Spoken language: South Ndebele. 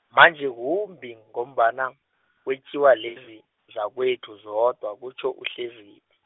manje kumbi ngombana, kwetjiwa lezi zakwethu zodwa kutjho uHleziphi.